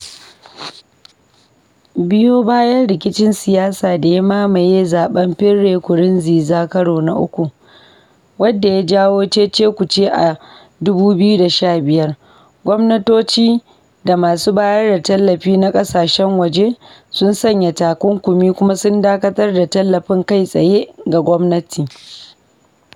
Biyo bayan rikicin siyasa da ya mamaye zaɓen Pierre Nkurunziza karo na uku wadda ya jawo cece-kuce a 2015, gwamnatoci da masu bayar da tallafi na ƙasashen waje sun sanya takunkumi kuma sun dakatar da tallafin kai tsaye ga gwamnati.